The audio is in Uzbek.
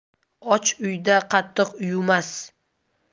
och uyda qatiq uyumas